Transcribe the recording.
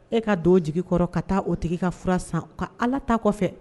E ka don jigi kɔrɔ ka taa o tigi ka fura san ka ala ta kɔfɛ